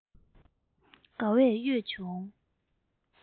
དགའ བས གཡོས བྱུང